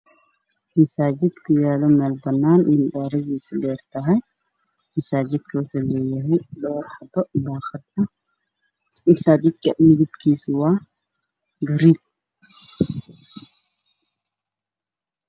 Meeshaan waxaa ku yaalla masaajid ka midabkiis yahay caddaan waxa uu leeyahay munaasabad